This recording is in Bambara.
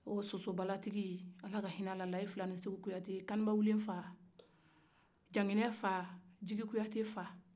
soso bala tigi ala ka hinɛ a la layfilaniseku kuyate kaniba wulen fa jakinɛ fa jigi kuyate fa